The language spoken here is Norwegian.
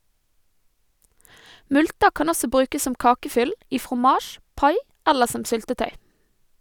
Multer kan også brukes som kakefyll, i fromasj, pai eller som syltetøy.